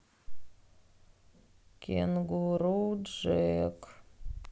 кенгуру джек